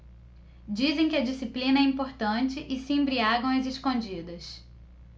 dizem que a disciplina é importante e se embriagam às escondidas